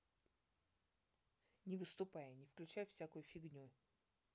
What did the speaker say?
не выступай и не включай всякую фигню